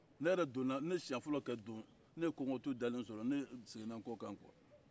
ne yɛrɛ donna ne siɲɛ fɔlɔ ka don ne ye kɔgɔntɔ dalen sɔrɔ ne seginna n kɔkan kuwa